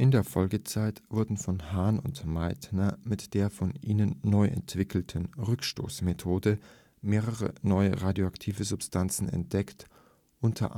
der Folgezeit wurden von Hahn und Meitner mit der von ihnen neu entwickelten „ Rückstoßmethode “mehrere neue radioaktive Substanzen entdeckt, unter